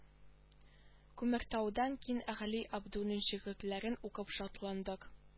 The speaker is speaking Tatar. Күмертаудан кин әгали абдуллин шигырьләрен укып шатландык